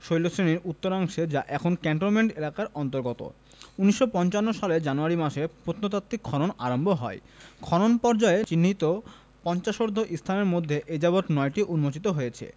শৈলশ্রেণির উত্তরাংশে যা এখন ক্যান্টনমেন্ট এলাকার অন্তর্গত ১৯৫৫ সালের জানুয়ারি মাসে প্রত্নতাত্ত্বিক খনন আরম্ভ হয় খনন পর্যায়ে চিহ্নিত পঞ্চাশোর্ধ্ব স্থানের মধ্যে এ যাবৎ নয়টি উন্মোচিত হয়েছে